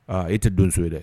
Aa e tɛ donso so ye dɛ